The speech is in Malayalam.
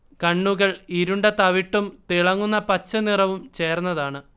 കണ്ണുകൾ ഇരുണ്ട തവിട്ടും തിളങ്ങുന്ന പച്ചനിറവും ചേർന്നതാണ്